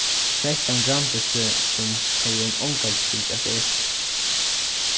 kettan gramdi seg sum hevði hon ongantíð fingið at eta